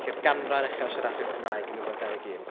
Felly'r ganran ucha o siaradwyr Cymraeg yn nwy fil a dau ddeg un